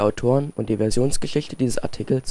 Vorlage:Koordinate Artikel